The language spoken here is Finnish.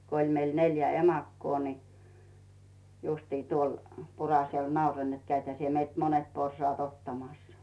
kun oli meillä neljä emakkoa niin justiin tuolle Puraselle nauroin että kävithän sinä meiltä monet porsaat ottamassa